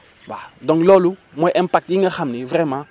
waaw donc loolu mooy impact yi nga xam ni vraiment